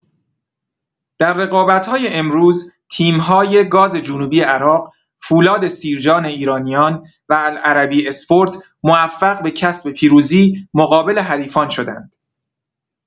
در رقابت‌های امروز تیم‌های گاز جنوبی عراق، فولاد سیرجان ایرانیان، و العربی اسپورت موفق به کسب پیروزی مقابل حریفان شدند.